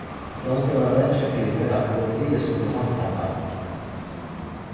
drongurin var bangin fyri at politiið skuldi handtaka hann